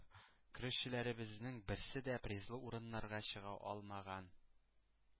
Көрәшчеләребезнең берсе дә призлы урыннарга чыга алмаган.